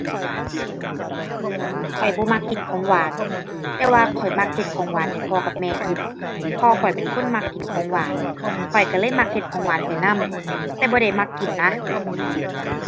ข้อยบ่มักกินของหวาน แต่ว่าข้อยมักเฮ็ดของหวานให้พ่อกับแม่กิน พ่อข้อยเป็นคนมักกินของหวาน ข้อยก็เลยมักเฮ็ดของหวานไปนำ แต่บ่ได้มักกินนะ